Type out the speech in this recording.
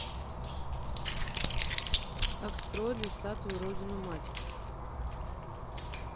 как строили статую родину мать